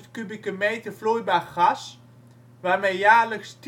kubieke meter vloeibaar gas waarmee jaarlijks